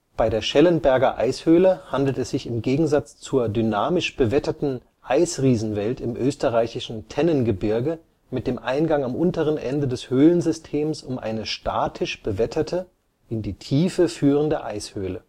Bei der Schellenberger Eishöhle handelt es sich im Gegensatz zur dynamisch bewetterten Eisriesenwelt im österreichischen Tennengebirge mit dem Eingang am unteren Ende des Höhlensystems um eine statisch bewetterte, in die Tiefe führende Eishöhle